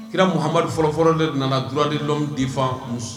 Kirara muha fɔlɔ fɔlɔ de nana dulidɔn de